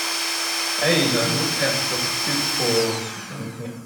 Jeg, derimot, jeg hadde fått et kutt på langefingeren.